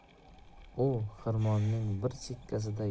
u xirmonning bir chekkasida